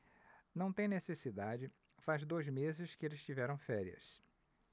não tem necessidade faz dois meses que eles tiveram férias